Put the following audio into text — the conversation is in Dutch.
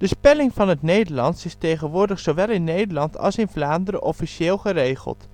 spelling van het Nederlands is tegenwoordig zowel in Nederland als in Vlaanderen officieel geregeld.